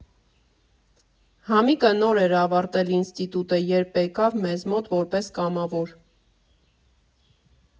Հասմիկը նոր էր ավարտել ինստիտուտը, երբ եկավ մեզ մոտ որպես կամավոր։